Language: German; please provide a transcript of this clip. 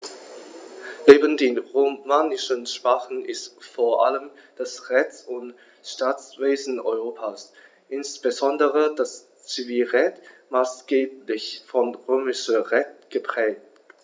Neben den romanischen Sprachen ist vor allem das Rechts- und Staatswesen Europas, insbesondere das Zivilrecht, maßgeblich vom Römischen Recht geprägt.